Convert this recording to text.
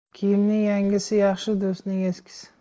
kiyimning yangisi yaxshi do'stning eskisi